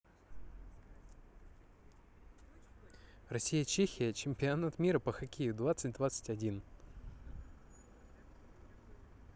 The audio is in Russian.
россия чехия чемпионат мира по хоккею двадцать двадцать один